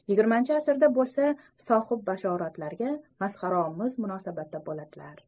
yigirmanchi asrda bo'lsa sohibbashoratlarga masxaraomuz munosabatda bo'ladilar